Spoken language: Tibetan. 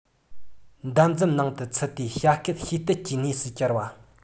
འདམ རྫབ ནང དུ ཚུད དེ བྱ དཀའ བྱེད གཏད ཀྱི གནས སུ གྱར བ